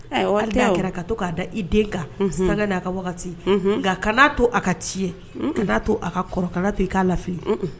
Awɔ, o t wo , hali n'a kɛra ka to k'a da i den kan, unhun, sanga n'a ka wagati,, unhun, nka kana' to a ka tiɲɛn, un un, ka n'a to a ka kɔrɔ ka n'a to i k'a lafili., un un.